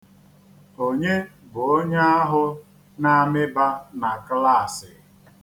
Onye bụ onye ahụ na-amịba na klaasị?